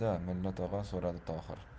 da mulla tog'a so'radi tohir